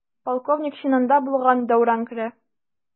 Полковник чинында булган Дәүран керә.